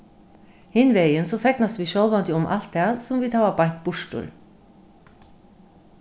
hin vegin so fegnast vit sjálvandi um alt tað sum vit hava beint burtur